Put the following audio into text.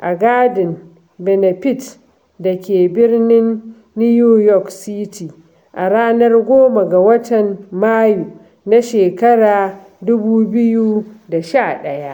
a Garden benefit da ke birnin New York City a ranar 10 ga watan Mayu na shekarar 2011.